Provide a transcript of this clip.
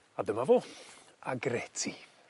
A dyma fo. Agretti.